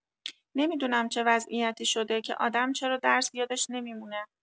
نمی‌دونم چه وضعیتی شده که آدم چرا درس یادش نمی‌مونه